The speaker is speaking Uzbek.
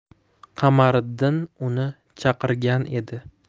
qamariddin uni chaqirgan edi